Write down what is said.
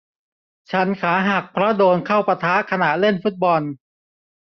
ฉันขาหักเพราะโดนเข้าปะทะขณะเล่นฟุตบอล